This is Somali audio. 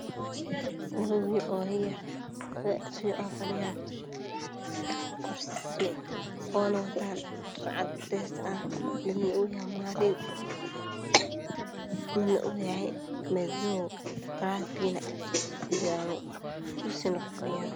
Waa wiilal yar oo kufadhiyaan kursi oo na wataan dhar cadeys midna uu yahay maariin midna uu yahay Madow . Galaas biyaana agyaalo oo kursi kufadhiyo.